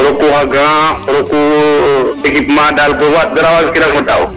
roku xa gant roku equipement dal bo dara waag kirango daaw